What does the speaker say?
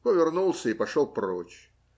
Повернулся и пошел прочь.